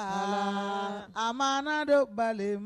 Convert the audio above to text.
A a maana de bali